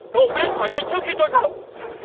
cậu biến khỏi đây trước khi tôi cáu